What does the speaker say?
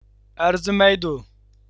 ئەرزىمەيدۇ